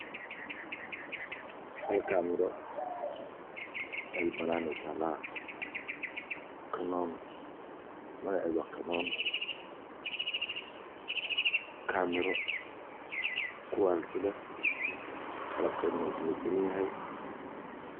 Hal kaamiro mel banan ayey taala kanon magaceda waa kanon kaamiro kuwaaliti leh qalabkeeda u dhamestiran yahy